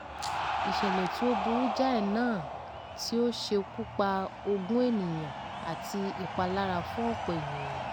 Ìṣẹ̀lẹ̀ tí ó burúkú jáì náà tí ó ṣekú pa ogún ènìyàn àti ìpalára fún ọ̀pọ̀ èèyàn.